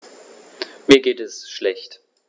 Mir geht es schlecht.